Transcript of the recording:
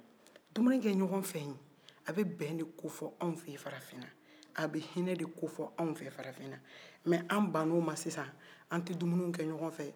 dumuni kɛ ɲɔgon fɛ in a bɛ bɛn de kofɔ anw fɛ ye farafina a bɛ hinɛ de kofɔ anw fɛ farafina an bana o man sisan an tɛ dumuniw kɛ ɲɔgon fɛ